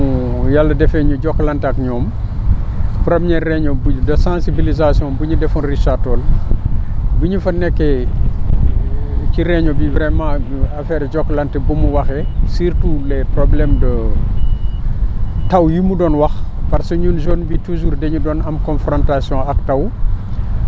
Kanté bi ñu yàlla defee ñu jokkalante ak ñoom première réunion de sensibilisation bi ñu defoon Richard Toll bi ñu fa nekkee ci réunion bi vraiment affaire Jokalante bu mu waxee surtout les problèmes de taw yi mu doon wax parce que ñu zone bi toujours dañu doon am confrontation ak taw